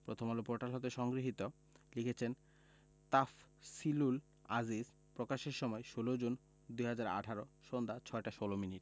Prothom Alo portal হতে সংগৃহীত লিখেছেন তাফসিলুল আজিজ প্রকাশের সময় ১৬জুন ২০১৮ সন্ধ্যা ৬টা ১৬ মিনিট